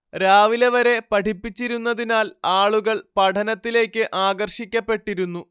രാവിലെ വരെ പഠിപ്പിച്ചിരുന്നതിനാൽ ആളുകൾ പഠനത്തിലേക്ക് ആകർഷിക്കപ്പെട്ടിരുന്നു